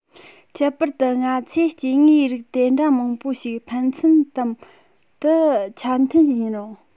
ཁྱད པར དུ ང ཚོས སྐྱེ དངོས རིགས དེ འདྲ མང པོ ཞིག ཕན ཚུན དམ དུ ཆ མཐུན ཡིན རུང